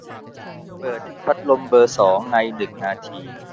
เปิดพัดลมเบอร์สองในหนึ่งนาที